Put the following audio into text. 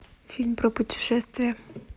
фильм про путешествия